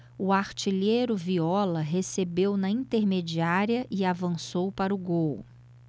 o artilheiro viola recebeu na intermediária e avançou para o gol